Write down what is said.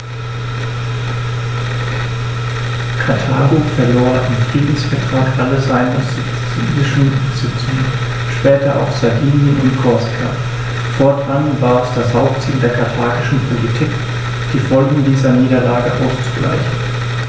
Karthago verlor im Friedensvertrag alle seine sizilischen Besitzungen (später auch Sardinien und Korsika); fortan war es das Hauptziel der karthagischen Politik, die Folgen dieser Niederlage auszugleichen.